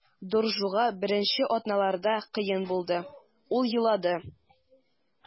Доржуга беренче атналарда кыен булды, ул елады.